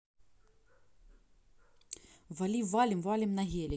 вали валим валим на гелике